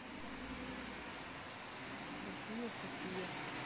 софия софия